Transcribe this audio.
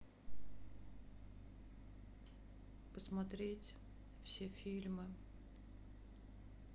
посмотреть все фильмы